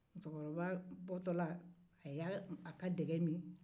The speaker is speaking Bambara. mukɔrɔba bɔtɔ y'a ka dɛgɛ min